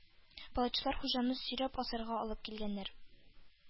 Палачлар Хуҗаны сөйрәп асарга алып килгәннәр.